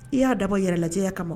I y'a dabɔ yɛrɛ lajɛya kama